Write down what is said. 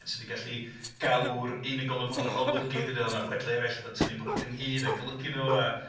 'Sa ti'n gallu galw'r unigolyn hwnnw yn olygydd ag oedd 'na chwedlau eraill a wnaeth o tynnu popeth ynghyd a golygu nhw a....